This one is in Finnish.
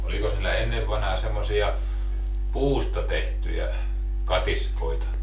olikos niillä ennen vanhaan semmoisia puusta tehtyjä katiskoita